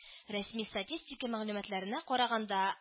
Рәсми статистика мәгълүматларына караганда